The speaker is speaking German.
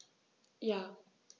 Ja.